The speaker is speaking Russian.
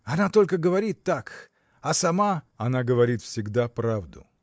— Она только говорит так, а сама. — Она говорит всегда правду.